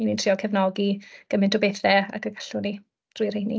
'Y ni'n trio cefnogi gymaint o bethe ag y gallwn ni drwy rei 'ny.